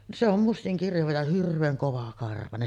se on mustan kirjava ja hirveän kovakarvainen